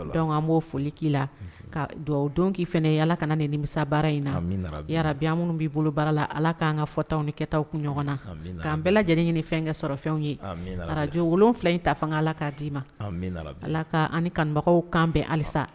Dɔnku an b'o foli k'i la ka dugawu dɔn k'i fana ala kana nimisa baara in na ya arabuya minnu b'i bolo baara la ala k'an ka fɔtaw ni kɛta kun ɲɔgɔn na k'an bɛɛ lajɛlen ɲini fɛn kɛ sɔrɔ fɛnw ye araj wolon wolonwula in ta fanga ala k'a d'i ma ala ka an kanubagaw kan bɛn halisa